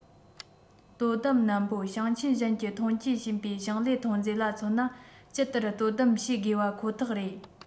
དོ དམ ནན པོ ཞིང ཆེན གཞན གྱི ཐོན སྐྱེད བྱས པའི ཞིང ལས ཐོན རྫས ལ མཚོན ན ཇི ལྟར དོ དམ བྱེད དགོས པ ཁོ ཐག རེད